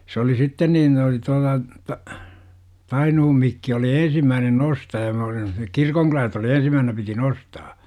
se oli sitten niin oli tuolla Tainuun Mikki oli ensimmäinen nostaja me olimme sinne kirkonkylältä oli ensimmäisenä piti nostaa